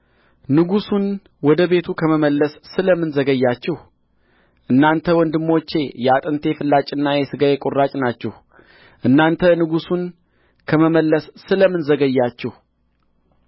ንጉሡን ወደ ቤቱ ከመመለስ ስለ ምን ዘገያችሁ እናንተ ወንድሞቼ የአጥንቴ ፍላጭና የሥጋዬ ቍራጭ ናችሁ እናንተ ንጉሡን ከመመለስ ስለ ምን ዘገያችሁ